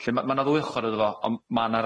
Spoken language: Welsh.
Lly ma' ma' 'na ddwy ochor iddo fo on' ma' 'na